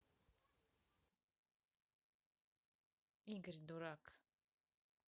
игорь дурак